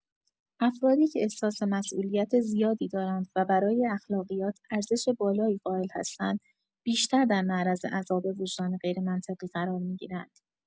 افرادی که احساس مسئولیت زیادی دارند و برای اخلاقیات ارزش بالایی قائل هستند، بیشتر در معرض عذاب وجدان غیرمنطقی قرار می‌گیرند.